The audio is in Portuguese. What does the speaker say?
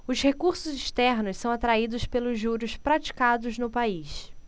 os recursos externos são atraídos pelos juros praticados no país